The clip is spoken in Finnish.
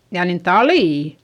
jaa niin talia